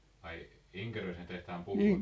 ai Inkeroisen tehtaan pulloja